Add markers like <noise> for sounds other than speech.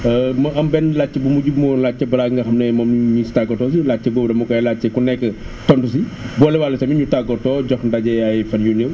<hesitation> ma am benn laajte bu mujj bu ma war a laajte balaa ngaa xam ne man ñu ngi si tàggatoo si laajte boobu dama koy laajte ku nekk tontu si boolewaale tamit ñu tàggatoo jox ndaje ay fan yu néew